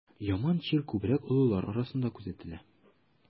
Яман чир күбрәк олылар арасында күзәтелә.